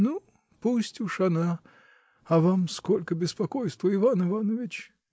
Ну пусть уж она: а вам сколько беспокойства, Иван Иванович!